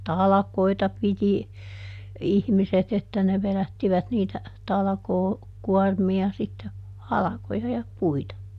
ja talkoita piti ihmiset että ne vedättivät niitä - talkookuormia sitten halkoja ja puita